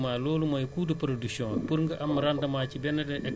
services techniques yi ne effectivement loolu mooy coût de production bi pour nga